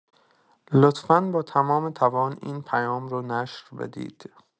لطفا با تمام توان این پیام رو نشر بدید.